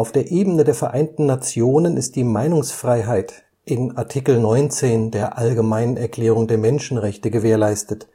der Ebene der Vereinten Nationen ist die Meinungsfreiheit in Art. 19 der Allgemeinen Erklärung der Menschenrechte gewährleistet